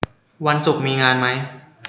วันศุกร์มีงานมั้ย